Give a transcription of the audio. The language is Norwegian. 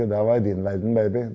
det var i din verden baby.